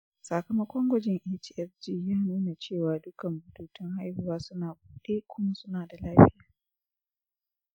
sakamakon gwajin hsg ya nuna cewa dukkan bututun haihuwa suna buɗe kuma suna da lafiya.